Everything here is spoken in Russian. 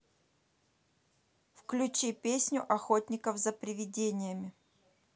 включи песню охотников за приведениями